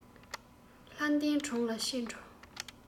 ལྷ ལྡན གྲོང ལ ཆས འགྲོ